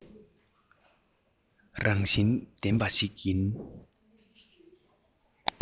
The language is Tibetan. རང བཞིན ལྡན པ ཞིག ཡིན